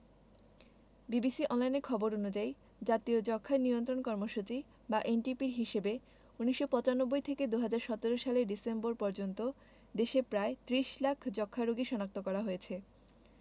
BBC অনলাইনের খবর অনুযায়ী জাতীয় যক্ষ্মা নিয়ন্ত্রণ কর্মসূচি বা এনটিপির হিসেবে ১৯৯৫ থেকে ২০১৭ সালের ডিসেম্বর পর্যন্ত দেশে প্রায় ৩০ লাখ যক্ষ্মা রোগী শনাক্ত করা হয়েছে